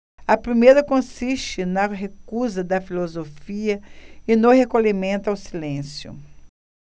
a primeira consiste na recusa da filosofia e no recolhimento ao silêncio